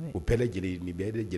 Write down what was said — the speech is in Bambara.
U bɛɛ jeli nin bɛ lajɛlen